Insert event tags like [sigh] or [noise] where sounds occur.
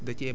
[hesitation] [hesitation]